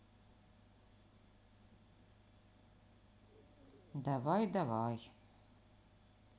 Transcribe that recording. давай давай